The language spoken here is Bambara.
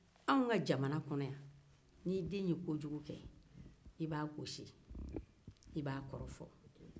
an ka jamana kan yan ni den ye kojugu kɛ i b'a gosi i b'a kɔrɔfɔ